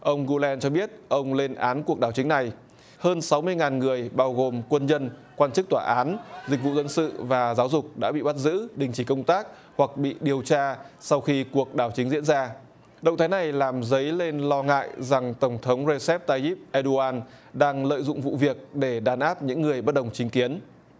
ông gu len cho biết ông lên án cuộc đảo chính này hơn sáu mươi ngàn người bao gồm quân nhân quan chức tòa án dịch vụ dân sự và giáo dục đã bị bắt giữ đình chỉ công tác hoặc bị điều tra sau khi cuộc đảo chính diễn ra động thái này làm dấy lên lo ngại rằng tổng thống rê sép tai ríp ê đu an đang lợi dụng vụ việc để đàn áp những người bất đồng chính kiến